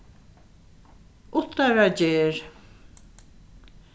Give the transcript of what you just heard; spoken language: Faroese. uttaragerð